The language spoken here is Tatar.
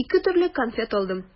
Ике төрле конфет алдым.